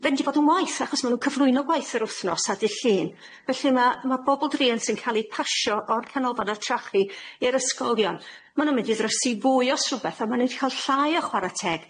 mynd i fod yn waeth achos ma' n'w'n cyflwyno gwaith yr wthnos ar dy' Llun felly ma' ma' bobol druan sy'n ca'l eu pasio o'r Canolfanna Trochi i'r ysgolion ma' n'w'n mynd i ddrysu fwy os rwbeth a ma' n'w'n mynd i ca'l llai o chware teg.